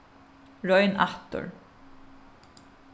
royn aftur